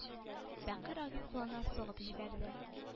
Бәкер аның кулына сугып җибәрде